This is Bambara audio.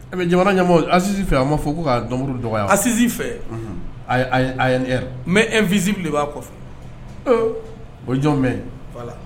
Mɛ jamana ɲa asifɛ fɛ a b maa fɔ ko' ka dɔnuru dɔgɔya a sinsi fɛ n mɛ nfizsi bilen b'a kɔfɛ o jɔn bɛ fa la